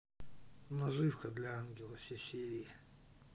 наживка для ангела все серии